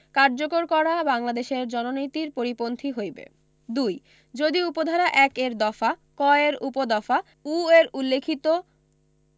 কার্যকর করা বাংলাদেশের জননীতির পরিপন্থী হইবে ২ যদি উপ ধারা ১ এর দফা ক এর উপ দফা উ এর উল্লিখিত